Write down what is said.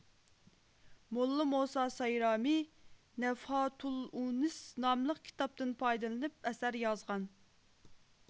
موللا مۇسا سايرامى نەفھاتۇلئۇنىس ناملىق كىتابتىن پايدىلىنىپ ئەسەر يازغان